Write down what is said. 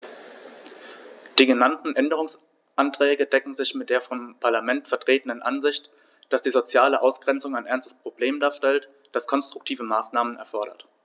Die genannten Änderungsanträge decken sich mit der vom Parlament vertretenen Ansicht, dass die soziale Ausgrenzung ein ernstes Problem darstellt, das konstruktive Maßnahmen erfordert.